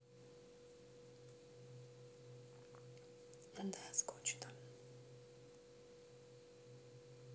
да скучно